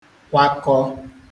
kwakọ